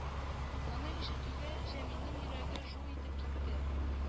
Моны ишетүгә җәмилнең йөрәге жу итеп китте